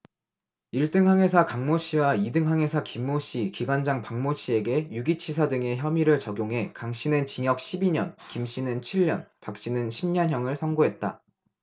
일 등 항해사 강모씨와 이 등 항해사 김모씨 기관장 박모씨에게 유기치사 등의 혐의를 적용해 강씨는 징역 십 이 년 김씨는 칠 년 박씨는 십 년 형을 선고했다